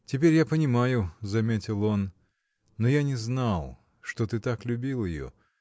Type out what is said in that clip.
— Теперь я понимаю, — заметил он, — но я не знал, что ты так любил ее.